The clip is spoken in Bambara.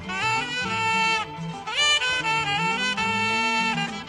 San tile